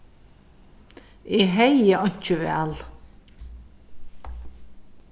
eg hevði einki val